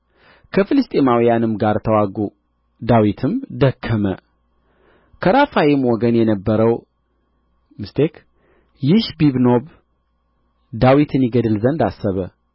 ከፍልስጥኤማውያንም ጋር ተዋጉ ዳዊትም ደከመ ከራፋይም ወገን የነበረው ይሽቢብኖብ ዳዊትን ይገድል ዘንድ አሰበ